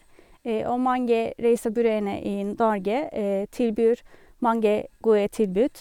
Og mange reisebyråene i Norge tilbyr mange gode tilbud.